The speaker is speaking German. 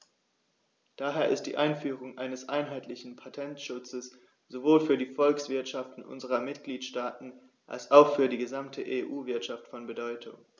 Daher ist die Einführung eines einheitlichen Patentschutzes sowohl für die Volkswirtschaften unserer Mitgliedstaaten als auch für die gesamte EU-Wirtschaft von Bedeutung.